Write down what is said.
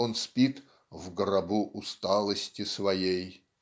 он спит "в гробу усталости своей"